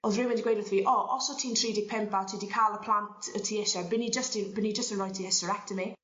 o'dd rywun 'di gweud wrtho fi o os o't ti'n tri 'deg pump a ti 'di ca'l y plant 'yt ti isie a by' ni jyst 'di by' ni jyst yn roi ti hysterectomy